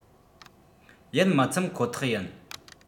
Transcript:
ཡིད མི ཚིམ ཁོ ཐག ཡིན